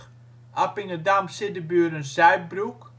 Appingedam-Siddeburen-Zuidbroek